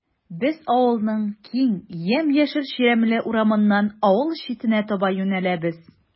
Без авылның киң, ямь-яшел чирәмле урамыннан авыл читенә таба юнәләбез.